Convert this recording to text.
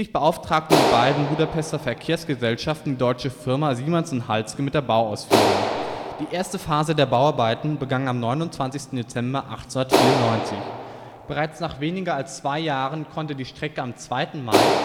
beauftragten die beiden Budapester Verkehrsgesellschaften die deutsche Firma Siemens & Halske mit der Bauausführung. Die erste Phase der Bauarbeiten begann am 29. Dezember 1894. Bereits nach weniger als zwei Jahren konnte die Strecke am 2. Mai